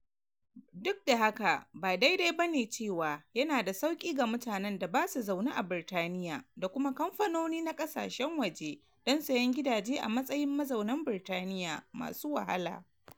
Duk da haka, ba daidai ba ne cewa yana da sauƙi ga mutanen da ba su zaune a Birtaniya, da kuma kamfanoni na kasashen waje, don sayen gidaje a matsayin mazaunan Birtaniya masu wahala.